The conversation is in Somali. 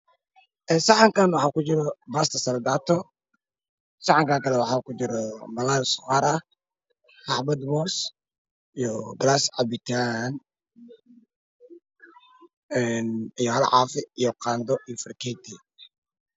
Miis waxaa saaran saxan caddaan waxaa ku jira baasta waxaa ku jira suqaar waxaa ag yaalla moos cabitaan